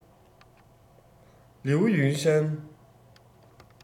ལིའུ ཡུན ཧྲན